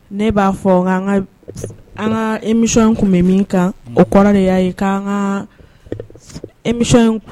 Ne b'a fɔ ka an ka emisɔn tun bɛ min kan o kɔrɔ de y'a ye' an ka emi